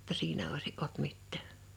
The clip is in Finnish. jotta siinä olisi ollut mitään